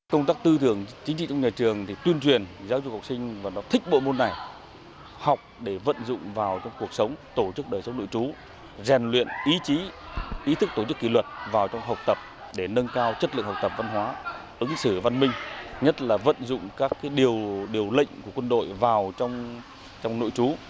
công tác tư tưởng chính trị trong nhà trường để tuyên truyền giáo dục học sinh và thích bộ môn này học để vận dụng vào trong cuộc sống tổ chức đời sống nội trú rèn luyện ý chí ý thức tổ chức kỷ luật vào trong học tập để nâng cao chất lượng học tập văn hóa ứng xử văn minh nhất là vận dụng các điều điều lệnh của quân đội vào trong trong nội trú